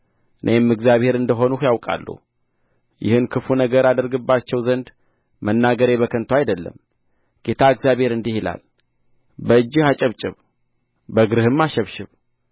እኔም እግዚአብሔር እንደ ሆንሁ ያውቃሉ ይህን ክፉ ነገር አደርግባቸው ዘንድ መናገሬ በከንቱ አይደለም ጌታ እግዚአብሔር እንዲህ ይላል በእጅህ አጨብጭብ በእግርህም አሸብሽብ